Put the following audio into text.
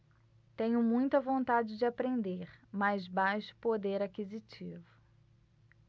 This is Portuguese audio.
tenho muita vontade de aprender mas baixo poder aquisitivo